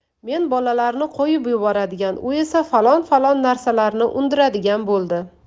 men bolalarni qo'yib yuboradigan u esa falon falon narsalarni undiradigan bo'ldi